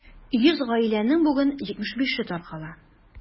100 гаиләнең бүген 75-е таркала.